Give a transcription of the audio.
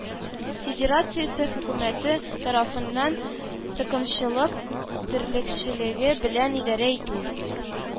Федерациясе Хөкүмәте тарафыннан токымчылык терлекчелеге белән идарә итү